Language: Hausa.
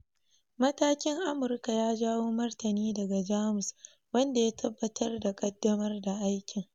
Matakin Amurka ya jawo martani daga Jamus, wanda ya tabbatar da ƙaddamar da aikin.